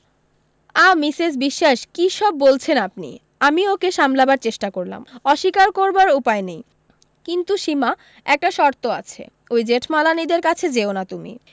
আ Mrs Biswas কী সব বলছেন আপনি আমি ওকে সামলাবার চেষ্টা করলাম অস্বীকার করবার উপায় নেই কিন্তু সীমা একটা শর্ত আছে ওই জেঠমালানিদের কাছে যেওনা তুমি